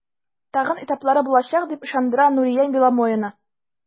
Тагын этаплары булачак, дип ышандыра Нурия Беломоина.